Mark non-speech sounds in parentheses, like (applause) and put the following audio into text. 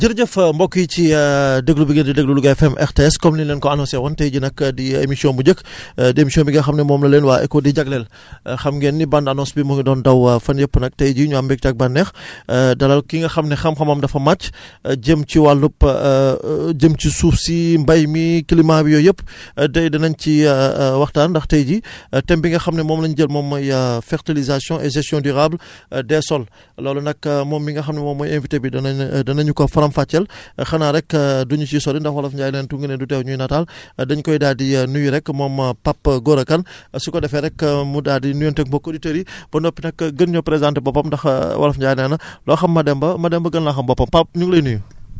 jërëjëf mbokk yi ci (hesitation) déglu bi ngeen di déglu Louga FM RTS comme ni ñu leen ko annoncer woon tey jii nag di (hesitation) émission bu njëkk (breath) di émission bi nga xam ne moom la leen waa ECHO di jagleel (breath) xam ngeen ni bande annonce bi mu ngi doon daw waaw fan yii yëpp nag tey jii ñu am mbégte ak bànneex (breath) (hesitation) dalal ki nga xam ne xam-xamam dafa màcc jëm ci wàllup (hesitation) jëm ci suuf si mbay mi climat bi yooyu yëpp (breath) tay dinañ ci (hesitation) waxtaan ndax tey jii (breath) thème bi nga xam ne moom la ñu jël moom mooy (hesitation) fertilisation et gestion durable des sols (breath) loolu nag (hesitation) moom mi nga xam ne moom mooy invité bi danañ dana ñu ko faram fàcceel (breath) xanaa rekk (hesitation) du ñu si sori ndax wolof Ndiaye nee na tungune du teew ñuy nataal (breath) dañ koy daal di nuyu rekk moom Pape Gora Kane (breath) su ko defee rekk mu daal di nuyonteeg mbokku auditeurs yi (breath) ba noppi nag gën ñoo présenter boppam ndax (hesitation) wolof Ndiaye nee na (breath) loo xam Mademba Mademba gën laa xam boppam Pape ñu ngi lay nuyu